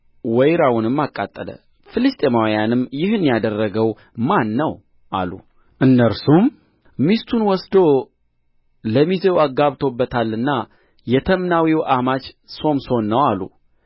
ወይራውንም አቃጠለ ፍልስጥኤማውያንም ይህን ያደረገው ማን ነው አሉ እነርሱም ሚስቱን ወስዶ ለሚዜው አጋብቶበታልና የተምናዊው አማች ሶምሶን ነው አሉ